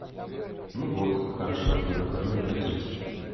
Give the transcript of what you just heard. вот вот хорошо когда выходные такить